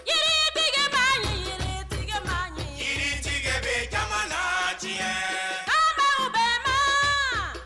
Jtigiba hinɛtigiba min yiritigi bɛ jama la diɲɛ faama bɛ ma